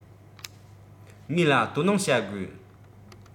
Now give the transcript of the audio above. ངའི ལ དོ སྣང བྱ དགོས